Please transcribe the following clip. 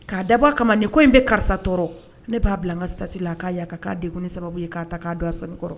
K'a dabɔ a kama nin ko in bɛ karisa tɔɔrɔ ne b'a bila an ka sasiri la k'a ya ka'ag sababu ye k'a k' da a sɔ kɔrɔ